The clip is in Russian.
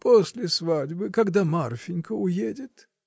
— После свадьбы, когда Марфинька уедет.